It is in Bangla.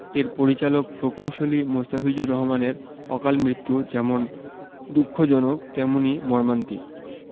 এর পরিচালক প্রকৌশলী মোস্তাফিজুর রহমানের অকালমৃত্যু যেমন দুঃখজনক তেমনি মর্মান্তিক